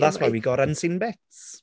That's why we've got unseen bits.